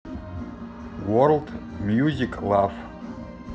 ворлд мьюзик лав